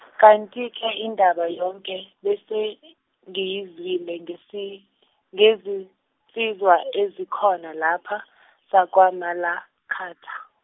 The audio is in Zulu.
kanti ke indaba yonke besengiyizwile ngesi, ngezinsizwa ezikhona lapha , zakwaMalakatha.